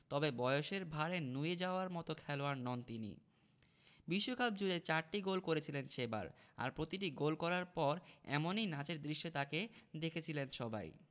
তবে বয়সের ভাঁড়ে নুয়ে যাওয়ার মতো খেলোয়াড় নন তিনি বিশ্বকাপজুড়ে চারটি গোল করেছিলেন সেবার আর প্রতিটি গোল করার পর এমনই নাচের দৃশ্যে তাঁকে দেখেছিলেন সবাই